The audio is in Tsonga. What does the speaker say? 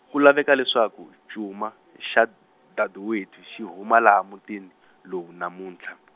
ku laveka leswaku cuma xa, Daduwethu xi huma laha mutini, lowu namuntlha.